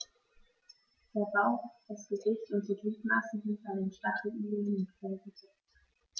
Der Bauch, das Gesicht und die Gliedmaßen sind bei den Stacheligeln mit Fell bedeckt.